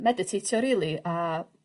medititio rili a